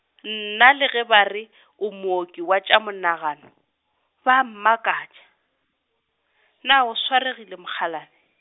nna le ge ba re o mooki wa tša monagano, ba a mmakatša, na o swaregile mokgalabje?